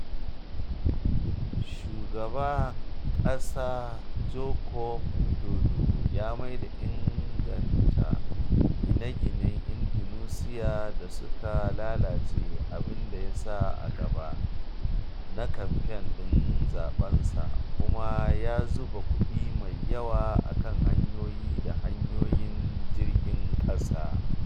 Shugaba Ƙasa Joko Widodo ya maida inganta gine-ginen Indonesiya da suka lalace abin da ya sa a gaba na kamfe ɗin zaɓensa, kuma ya zuba kuɗi mai yawa a kan hanyoyi da hanyoyin jirgin ƙasa.